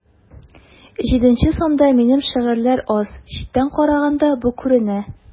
Җиденче санда минем шигырьләр аз, читтән караганда бу күренә.